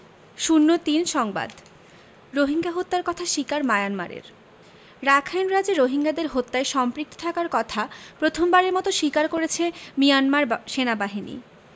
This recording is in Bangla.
০৩ সংবাদ রোহিঙ্গা হত্যার কথা স্বীকার মায়ানমারের রাখাইন রাজ্যে রোহিঙ্গাদের হত্যায় সম্পৃক্ত থাকার কথা প্রথমবারের মতো স্বীকার করেছে মিয়ানমার সেনাবাহিনী